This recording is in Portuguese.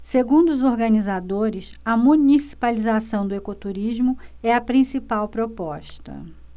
segundo os organizadores a municipalização do ecoturismo é a principal proposta